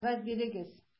Кәгазь бирегез!